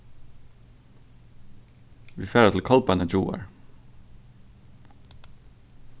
vit fara til kolbeinagjáar